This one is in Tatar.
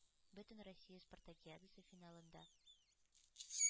Бөтенроссия спартакиадасы финалында